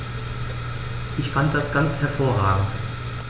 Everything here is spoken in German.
Ich fand das ganz hervorragend.